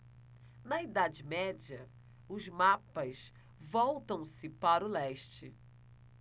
na idade média os mapas voltam-se para o leste